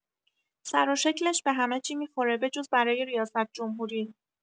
سرو شکلش به همه چی می‌خوره بجز برای ریاست‌جمهوری